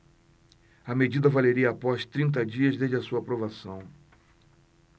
a medida valeria após trinta dias desde a sua aprovação